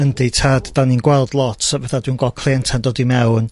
Yndi tad. 'Dan ni'n gweld lot o betha dwi'n gwel' cleienta'n dod i mewn